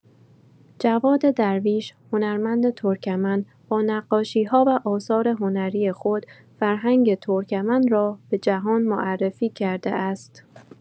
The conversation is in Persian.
جواد درویش، هنرمند ترکمن، با نقاشی‌ها و آثار هنری خود فرهنگ ترکمن را به جهان معرفی کرده است.